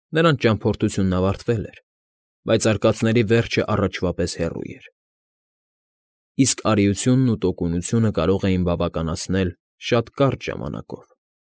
Նրանց ճամփորդությունն ավարտվել էր, բայց արկածների վերջը առաջվա պես հեռու էր, իսկ արիությունն ու տոկունությունը կարող էին բավականացնել շատ կարճ ժամանակով։